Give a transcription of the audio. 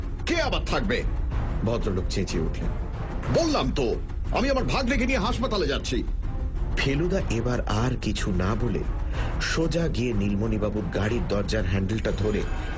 কে আবার থাকবে ভদ্রলোক চেচিয়ে উঠলে বললাম তো আমি আমার ভাগনেকে নিয়ে হাসপাতালে যাচ্ছি ফেলুদা এবার আর কিছু না বলে সোজা গিয়ে নীলমণিবাবুর গাড়ির দরজার হ্যান্ডেলটা ধরে